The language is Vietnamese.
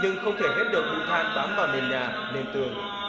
nhưng không thể hết được bụi than bám vào nền nhà nền tường